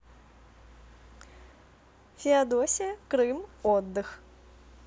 феодосия крым отдых